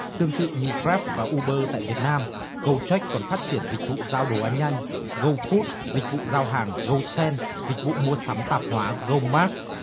tương tự như gờ ráp và u bơ tại việt nam gâu trách còn phát triển dịch vụ giao đồ ăn nhanh gâu phút dịch vụ giao hàng gâu xen dịch vụ mua sắm tạp hóa gâu mác